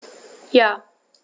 Ja.